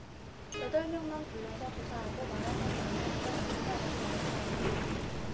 여덟 명만 불러서 조사하고 말아서는 안되는 것 아닌가라고 말했다